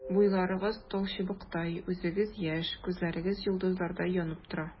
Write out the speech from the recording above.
Буйларыгыз талчыбыктай, үзегез яшь, күзләрегез йолдызлардай янып тора.